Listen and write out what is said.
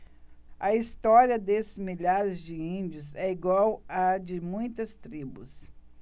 a história desses milhares de índios é igual à de muitas tribos